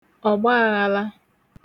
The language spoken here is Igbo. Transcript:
ọ̀gbàghàlà